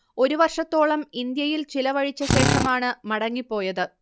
ഒരു വർഷത്തോളം ഇന്ത്യയിൽ ചിലവഴിച്ച ശേഷമാണ് മടങ്ങി പോയത്